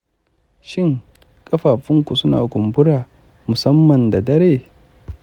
shin, ƙafafun ku suna kumbura, musamman da dare?